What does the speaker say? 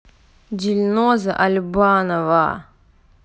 дильноза альбанова